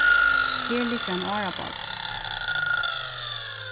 her liggur ein árabátur